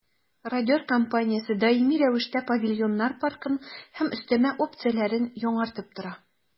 «родер» компаниясе даими рәвештә павильоннар паркын һәм өстәмә опцияләрен яңартып тора.